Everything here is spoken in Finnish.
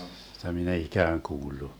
sitä minä ei ikään kuullut